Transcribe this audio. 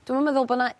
Dwi'm yn meddwl bo' 'na